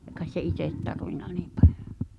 ei kai se itse tarvinnut niin paljon